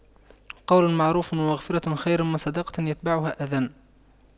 قَولٌ مَّعرُوفٌ وَمَغفِرَةُ خَيرٌ مِّن صَدَقَةٍ يَتبَعُهَا أَذًى